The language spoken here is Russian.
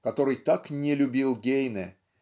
который так не любил Гейне